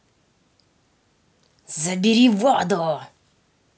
забери воду